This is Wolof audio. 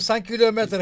cent kilomètres